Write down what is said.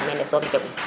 mene soom jegum